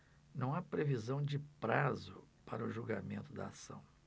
não há previsão de prazo para o julgamento da ação